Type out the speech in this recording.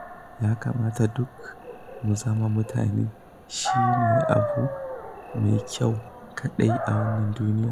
Ya kamata duk mu zama mutane, shi ne abu mai kyau kaɗai a wannan duniyar.